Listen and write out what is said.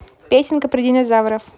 песенка про динозавров